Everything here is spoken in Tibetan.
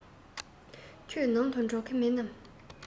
ཁྱོད ནང དུ འགྲོ གི མིན ནམ